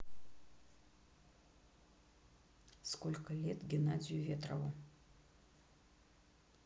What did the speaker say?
сколько лет геннадию ветрову